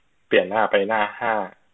เปลี่ยนหน้าไปหน้าห้า